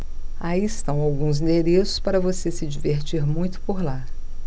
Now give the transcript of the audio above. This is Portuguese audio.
aí estão alguns endereços para você se divertir muito por lá